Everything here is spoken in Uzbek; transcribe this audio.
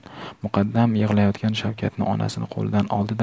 muqaddam yig'layotgan shavkatni onasining qo'lidan oldida